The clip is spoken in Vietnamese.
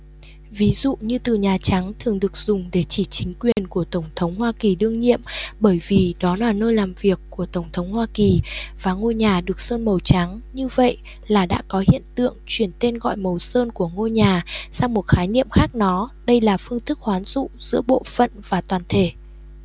ví dụ như từ nhà trắng thường được dùng để chỉ chính quyền của tổng thống hoa kỳ đương nhiệm bởi vì đó là nơi làm việc của tổng thống hoa kỳ và ngôi nhà được sơn màu trắng như vậy là đã có hiện tượng chuyển tên gọi màu sơn của ngôi nhà sang một khái niệm khác nó đây là phương thức hoán dụ giữa bộ phận và toàn thể